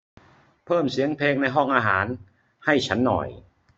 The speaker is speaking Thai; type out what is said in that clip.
เพิ่มเสียงเพลงในห้องอาหารให้ฉันหน่อย